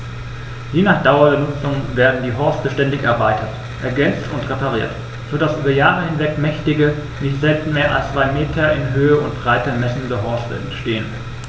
Je nach Dauer der Nutzung werden die Horste ständig erweitert, ergänzt und repariert, so dass über Jahre hinweg mächtige, nicht selten mehr als zwei Meter in Höhe und Breite messende Horste entstehen.